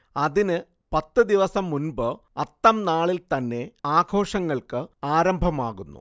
അതിനു പത്തു ദിവസം മുൻപ് അത്തം നാളിൽ തന്നെ ആഘോഷങ്ങൾക്ക് ആരംഭമാകുന്നു